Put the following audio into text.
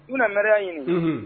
U na mɛriya ɲini, unhun